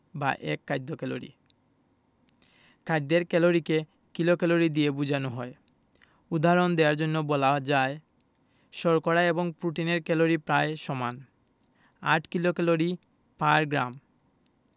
বা এক খাদ্য ক্যালরি খাদ্যের ক্যালরিকে কিলোক্যালরি দিয়ে বোঝানো হয় উদাহরণ দেয়ার জন্যে বলা যায় শর্করা এবং প্রোটিনের ক্যালরি প্রায় সমান ৮ কিলোক্যালরি পার গ্রাম